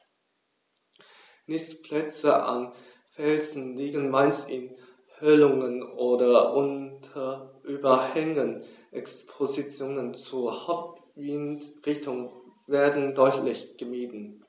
Nistplätze an Felsen liegen meist in Höhlungen oder unter Überhängen, Expositionen zur Hauptwindrichtung werden deutlich gemieden.